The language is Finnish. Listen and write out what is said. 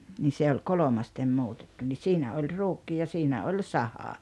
niin se oli kolmasti muutettu niin siinä oli ruukki ja siinä oli saha